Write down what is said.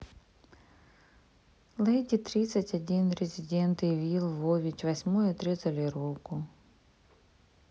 lady тридцать один резидент ивил вович восьмой отрезали руку